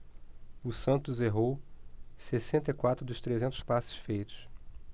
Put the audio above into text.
o santos errou sessenta e quatro dos trezentos passes feitos